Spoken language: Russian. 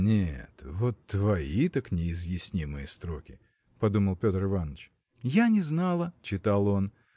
Нет, вот твои так неизъяснимые строки! – подумал Петр Иваныч. Я не знала (читал он)